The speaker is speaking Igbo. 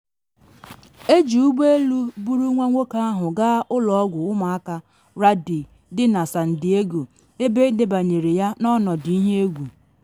Eji ụgbọ elu buru nwa nwoke ahụ gaa Ụlọ Ọgwụ Ụmụaka Rady dị na San Diego ebe edebanyere ya n’ọnọdụ ihe egwu.